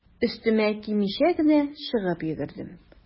Өстемә кимичә генә чыгып йөгердем.